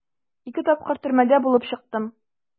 Ике тапкыр төрмәдә булып чыктым.